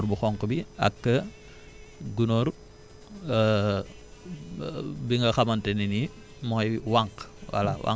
mooy gunóor bu xonk bi ak gunóor bi nga xamante ne ni mooy wànq